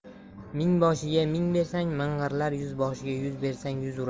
mingboshiga ming bersang ming'irlar yuzboshiga yuz bersang yuz urar